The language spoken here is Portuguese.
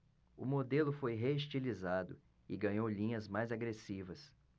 o modelo foi reestilizado e ganhou linhas mais agressivas